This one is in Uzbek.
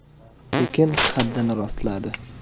sekin qaddini rostladi